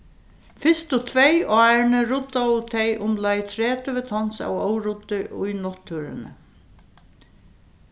fyrstu tvey árini ruddaðu tey umleið tretivu tons av óruddi í náttúruni